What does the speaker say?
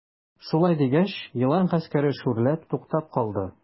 Шулай дигәч, елан гаскәре шүрләп туктап калды.